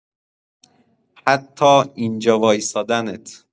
حتی اینجا وایستادنت